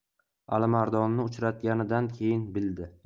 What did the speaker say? alimardonni uchratganidan keyin bildi